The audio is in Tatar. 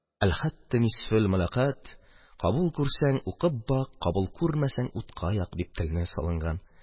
Кәгазьне чәчәкләп тутырган. «Әлхат, нисфелмәляхәт, кабул күрсәң, укып бак, кабул күрмәсәң, утка як» дип теленә салынган.